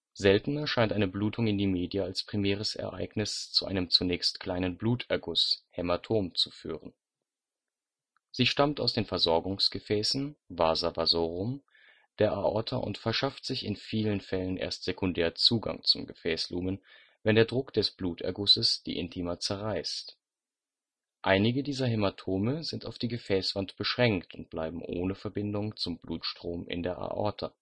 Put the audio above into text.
Seltener scheint eine Blutung in die Media als primäres Ereignis zu einem zunächst kleinen Bluterguss (Hämatom) zu führen. Sie stammt aus den Versorgungsgefäßen (Vasa vasorum, vgl. Gefäß) der Aorta und verschafft sich in vielen Fällen erst sekundär Zugang zum Gefäßlumen, wenn der Druck des Blutergusses die Intima zerreißt. Einige dieser Hämatome sind auf die Gefäßwand beschränkt und bleiben ohne Verbindung zum Blutstrom in der Aorta